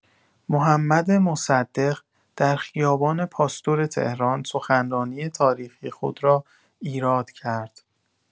محمد مصدق در خیابان پاستور تهران سخنرانی تاریخی خود را ایراد کرد.